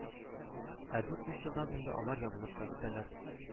Ә дүрт-биш елдан инде алар ябылып та бетәләр